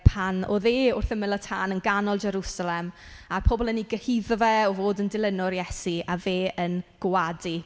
Pan oedd e wrth ymyl y tân yn ganol Jerwsalem a pobl yn ei gyhuddo fe o fod yn dilynwr Iesu a fe yn gwadu.